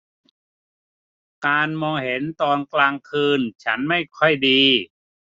การมองเห็นตอนกลางคืนฉันไม่ค่อยดี